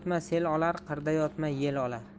qirda yotma yel olar